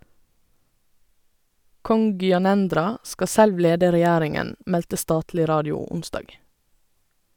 Kong Gyanendra skal selv lede regjeringen, meldte statlig radio onsdag.